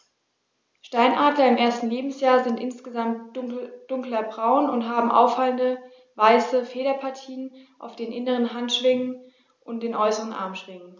Steinadler im ersten Lebensjahr sind insgesamt dunkler braun und haben auffallende, weiße Federpartien auf den inneren Handschwingen und den äußeren Armschwingen.